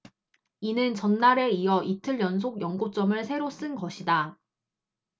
이는 전날에 이어 이틀 연속 연고점을 새로 쓴 것이다